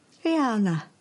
Diawl na.